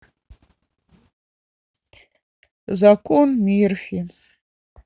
закон мерфи